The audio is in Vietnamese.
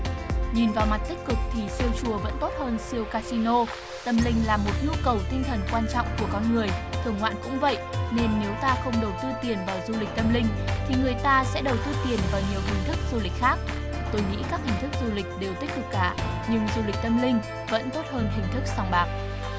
nhìn vào mặt tích cực thì siêu chùa vẫn tốt hơn siêu ca si no tâm linh là một nhu cầu tinh thần quan trọng của con người thưởng ngoạn cũng vậy nên nếu ta không đầu tư tiền vào du lịch tâm linh thì người ta sẽ đầu tư tiền vào nhiều hình thức du lịch khác tôi nghĩ các hình thức du lịch đều tích cực cả nhưng du lịch tâm linh vẫn tốt hơn hình thức sòng bạc